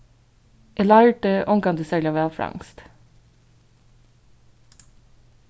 eg lærdi ongantíð serliga væl franskt